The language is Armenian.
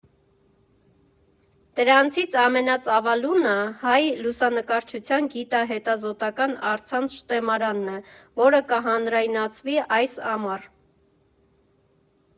Դրանցից ամենածավալունը հայ լուսանկարչության գիտա֊հետազոտական առցանց շտեմարանն է, որը կհանրայնացվի այս ամառ։